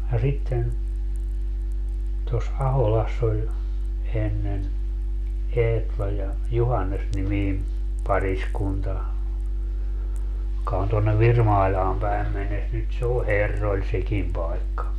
ja sitten tuossa Aholassa oli ennen Eetla ja Juhannes-niminen pariskunta joka on tuonne Virmailaan päin mennessä nyt se on herroilla sekin paikka